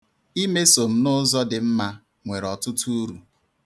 Imeso m n'ụzọ dị mma nwere ọtụtụ uru.